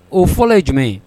O fɔlɔ ye jumɛn ye